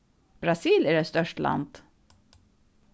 brasil er eitt stórt land